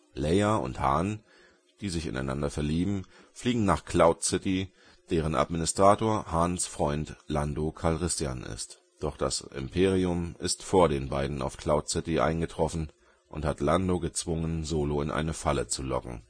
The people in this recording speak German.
Leia und Han, die sich ineinander verlieben, fliegen nach Cloud City, deren Administrator Hans Freund ist. Doch das Imperium ist vor den beiden auf Cloud City eingetroffen und hat Lando gezwungen, Solo in eine Falle zu locken